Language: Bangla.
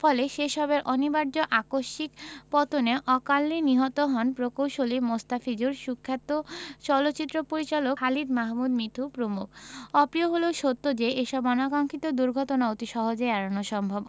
ফলে সে সবের অনিবার্য আকস্মিক পতনে অকালে নিহত হন প্রকৌশলী মোস্তাফিজুর সুখ্যাত চলচ্চিত্র পরিচালক খালিদ মাহমুদ মিঠু প্রমুখ অপ্রিয় হলেও সত্ত্বেও যে এসব অনাকাক্সিক্ষত দুর্ঘটনা অতি সহজেই এড়ানো সম্ভব